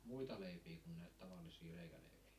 muita leipiä kuin näitä tavallisia reikäleipiä